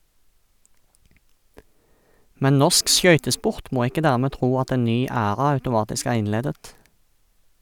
Men norsk skøytesport må ikke dermed tro at en ny æra automatisk er innledet.